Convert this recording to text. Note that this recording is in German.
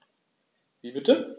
Wie bitte?